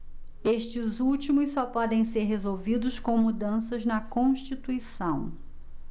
estes últimos só podem ser resolvidos com mudanças na constituição